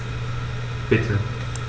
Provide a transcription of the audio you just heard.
Bitte.